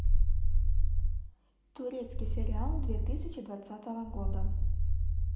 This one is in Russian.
турецкий сериал две тысячи двадцатого года